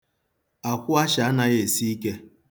Akwụ asha naghị esi ike.